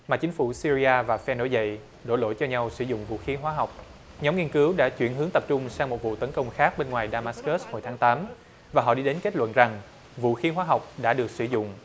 mà chính phủ xy ri a và phe nổi dậy đổ lỗi cho nhau sử dụng vũ khí hóa học nhóm nghiên cứu đã chuyển hướng tập trung sang một vụ tấn công khác bên ngoài đa ma cớt hồi tháng tám và họ đi đến kết luận rằng vũ khí hóa học đã được sử dụng